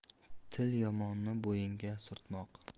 til yomoni bo'yinga sirtmoq